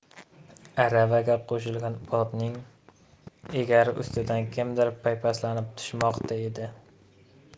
aravaga qo'shilgan otning egari ustidan kimdir paypaslanib tushmoqda edi